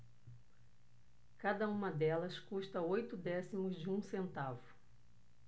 cada uma delas custa oito décimos de um centavo